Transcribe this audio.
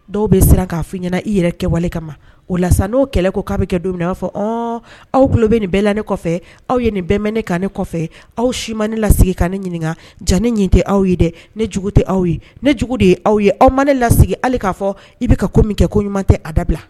Dɔw bɛ siran k'a fɔ ɲɛna i yɛrɛ kɛwale kama ma o lasa n'o kɛlɛ ko k'a bɛ kɛ don fɔ h aw bolo bɛ nin bɛɛ la ne kɔfɛ aw ye nin bɛnbɛn ne kan ne kɔfɛ aw si ma ne lasigi ka ne ɲininka jan ne nin tɛ aw ye dɛ nejugu tɛ aw ye nejugu de ye aw ye aw ma ne lasigi hali k'a fɔ i bɛ ka ko min kɛ ko ɲumanɲuman tɛ a dabila